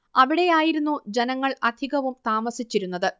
അവിടെയായിരുന്നു ജനങ്ങൾ അധികവും താമസിച്ചിരുന്നത്